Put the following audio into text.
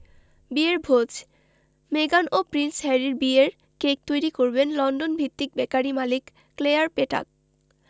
বিয়ের ভোজ মেগান ও প্রিন্স হ্যারির বিয়ের কেক তৈরি করবেন লন্ডনভিত্তিক বেকারি মালিক ক্লেয়ার পেতাক